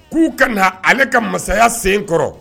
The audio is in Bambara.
K'u ka na ale ka masaya sen kɔrɔ